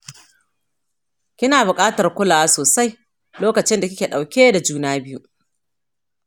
kina buƙatar kulawa sosai lokacin da kike ɗauke da juna biyu